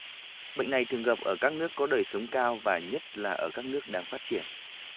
bệnh này thường gặp ở các nước có đời sống cao và nhất là ở các nước đang phát triển